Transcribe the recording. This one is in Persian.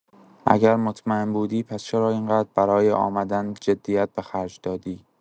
اگر مطمئن بودی پس چرا این‌قدر برای آمدن جدیت به خرج دادی؟